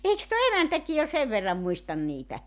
eikös tuo emäntäkin jo sen verran muista niitä